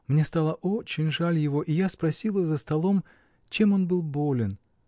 Мне стало очень жаль его, и я спросила за столом, чем он был болен?.